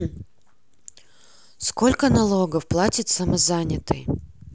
сколько налогов платит самозанятый